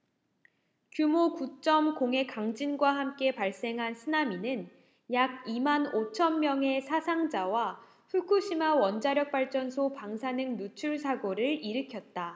규모 구 쩜 공 의 강진과 함께 발생한 쓰나미는 약 이 만 오천 명의 사상자와 후쿠시마 원자력발전소 방사능 누출 사고를 일으켰다